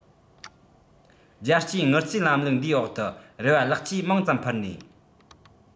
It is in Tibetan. རྒྱལ སྤྱིའི དངུལ རྩའི ལམ ལུགས འདིའི འོག ཏུ རེ བ ལེགས སྐྱེས མང ཙམ ཕུལ ནས